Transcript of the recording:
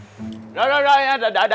rồi rồi rồi đợt